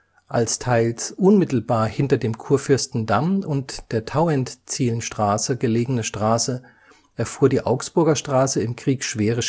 Als teils unmittelbar hinter dem Kurfürstendamm und der Tauentzienstraße gelegene Straße erfuhr die Augsburger Straße im Krieg schwere